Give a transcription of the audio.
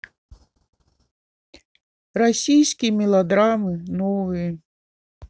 российские мелодрамы новые